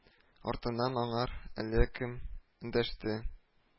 Артыннан аңар әллә кем эндәште